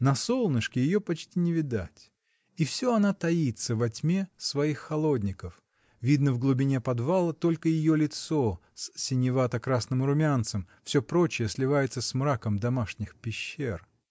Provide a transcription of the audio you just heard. На солнышке ее почти не видать, и всё она таится во тьме своих холодников: видно в глубине подвала только ее лицо с синевато-красным румянцем, всё прочее сливается с мраком домашних пещер.